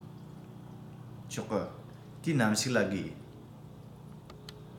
ཆོག གི དུས ནམ ཞིག ལ དགོས